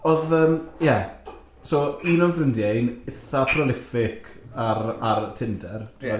Oedd yym, ie, so un o'n ffrindiau i'n itha prolific ar ar Tinder... Ie.